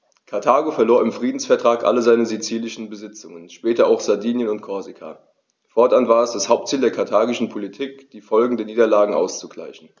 Karthago verlor im Friedensvertrag alle seine sizilischen Besitzungen (später auch Sardinien und Korsika); fortan war es das Hauptziel der karthagischen Politik, die Folgen dieser Niederlage auszugleichen.